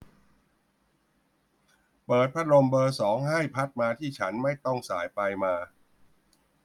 เปิดพัดลมเบอร์สองให้พัดมาที่ฉันไม่ต้องส่ายไปมา